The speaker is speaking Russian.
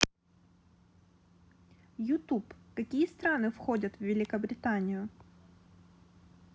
youtube какие страны входят в великобританию